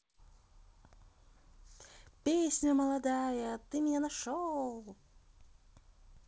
песня молодая ты меня нашел